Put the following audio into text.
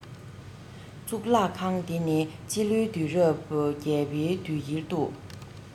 གཙུག ལག ཁང དེ ནི སྤྱི ལོའི དུས རབས ༨ པའི དུས དཀྱིལ དུ